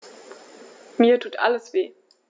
Mir tut alles weh.